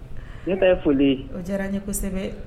Ne ta ye foli ye o diyara n ye kosɛbɛ.